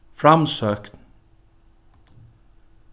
framsókn